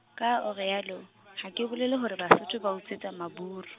ka o re yalo, ha ke bolele hore Basotho ba utswetsa maburu.